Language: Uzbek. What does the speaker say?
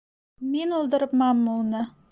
men o'ldiribmanmi uni